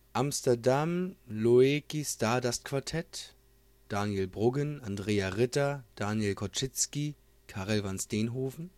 Amsterdam Loeki Stardust Quartett - Daniel Bruggen, Andrea Ritter, Daniel Koschitzki, Karel van Steenhoven